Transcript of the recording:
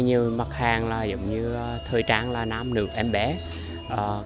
thì nhiều mặt hàng là giống như thời trang là nam nữ em bé